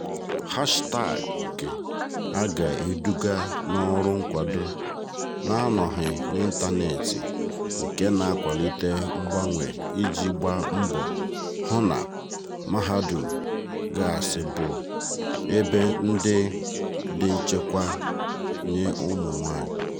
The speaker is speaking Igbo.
Hashịtaagị a aga eduga n'ọrụ nkwado na-anọghị n'ịntaneetị nke na-akwalite mgbanwe iji gbaa mbọ hụ na mahadum gasị bụ ebe ndị dị nchekwa nye ụmụ nwaanyị?